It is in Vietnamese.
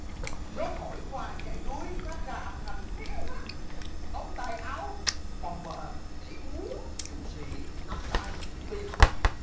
gió thổi qua dãy núi phát ra âm thanh réo rắt ống tay áo bồng bềnh nhảy múa dũng sĩ nắm tay thủy bi uầy